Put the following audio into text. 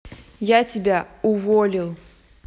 я тебя уволил